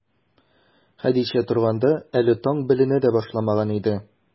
Хәдичә торганда, әле таң беленә дә башламаган иде.